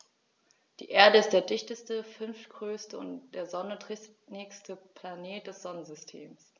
Die Erde ist der dichteste, fünftgrößte und der Sonne drittnächste Planet des Sonnensystems.